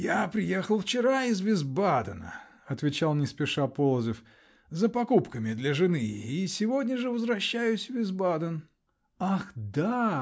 -- Я приехал вчера из Висбадена, -- отвечал, не спеша, Полозов, -- за покупками для жены и сегодня же возвращаюсь в Висбаден. -- Ах, да!